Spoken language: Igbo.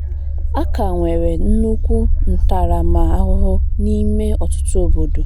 A ka nwere nukwu ntarama ahụhụ n'ime ọtụtụ obodo.